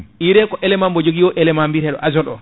urée ko élément bo jogui o élément biyateɗo azote o